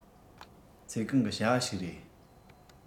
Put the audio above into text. ཚེ གང གི བྱ བ ཞིག རེད